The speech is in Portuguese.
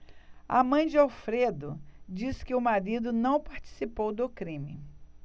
a mãe de alfredo diz que o marido não participou do crime